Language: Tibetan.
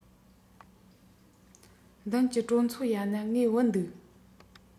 མདུན གྱི གྲོང ཚོ ཡ ན ངའི བུ འདུག